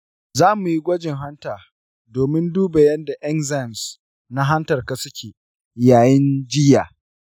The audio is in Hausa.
za mu yi gwajin hanta domin duba yadda enzymes na hantarka suke yayin jiyya.